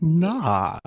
Na.